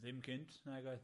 Ddim cynt, nag oedd.